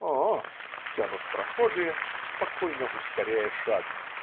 -"Ааа!" - тянут прохожие, спокойно ускоряя шаг.